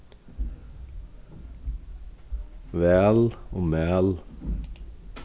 væl og mæl